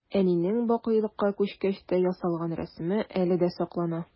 Әнинең бакыйлыкка күчкәч тә ясалган рәсеме әле дә саклана.